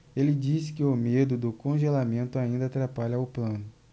ele disse que o medo do congelamento ainda atrapalha o plano